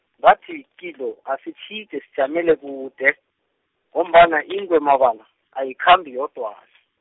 ngathi kilo asitjhide sijamele kude, ngombana ingwemabala ayikhambi yodwa- .